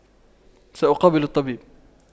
سأقابل الطبيب